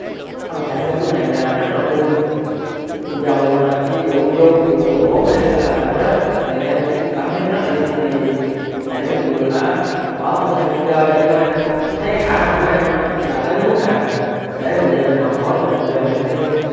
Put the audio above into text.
tâm trạng của em lúc này là rất là vui dầu đặt cái dụ vô được vòng bốn hay là rớt thì em cũng cảm thấy rất là vui tại vì tài tử miệt vườn đã mở một cái sân chơi để cho em thấy cái khả năng của em á là tới cái mức nào để mình về mình học hỏi để mình rèn luyện thêm